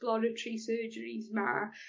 ploritory surgery 'ma